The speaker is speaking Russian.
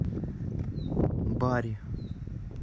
бари